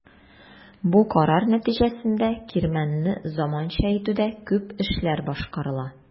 Бу карар нәтиҗәсендә кирмәнне заманча итүдә күп эшләр башкарыла.